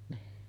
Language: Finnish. niin